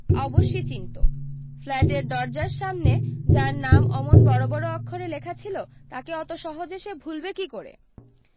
অবশ্যি চিনতো ফ্ল্যাটের দরজার সামনে যার নাম অমন বড় বড় অক্ষরে লেখা ছিল তাকে অত সহজে সে ভুলবে কী করে